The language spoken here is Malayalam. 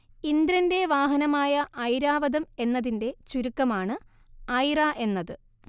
ഇന്ദ്രന്റെ വാഹനമായ ഐരാവതം എന്നതിന്റെ ചുരുക്കമാണ് ഐറ എന്നത്